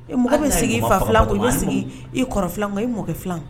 I mɔgɔ bɛ sigi i fa i sigi i kɔrɔ i mɔgɔ filan